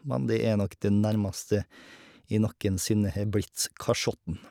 Men det er nok det nærmeste jeg noen sinne har blitt kasjotten.